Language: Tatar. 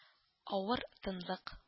Авыр тынлык